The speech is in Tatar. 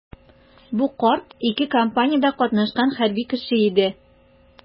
Бу карт ике кампаниядә катнашкан хәрби кеше иде.